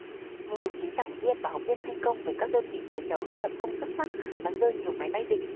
nhiều đồng chí giảng viên và học viên phi công về các đơn vị chiến đấu đã lập công xuất sắc bắn rơi nhiều máy bay địch